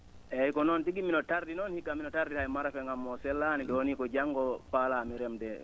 eeyi ko noon tigi mino tardi noon hikka mino tardi a yiyi marofen am oo sellaani ?oni ko janngo paalaami remde